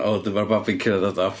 A wedyn ma'r babi yn cerdded off.